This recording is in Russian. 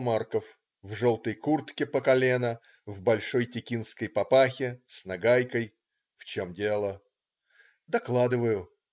Марков, в желтой куртке по колено, в большой текинской папахе, с нагайкой. "В чем дело?" Докладываю.